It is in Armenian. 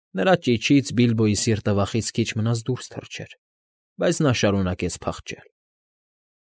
Նրա ճիչից Բիլբոյի սիրտը վախից քիչ մնաց դուրս թռչեր, բայց նա շարունակեց փախչել։